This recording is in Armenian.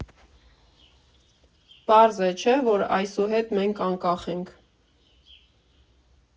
Պարզ է, չէ՞, որ այսուհետ մենք անկախ ենք։